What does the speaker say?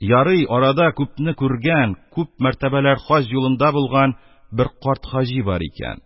Ярый, арада күпне күргән, күп мәртәбәләр хаҗ юлында булган бер карт хаҗи бар икән...